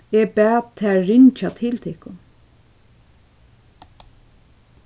eg bað tær ringja til tykkum